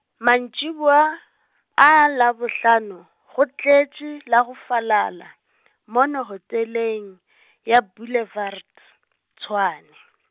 mantšiboa a Labohlano, go tletše la go falala mono hoteleng , ya Boulevard, Tshwane.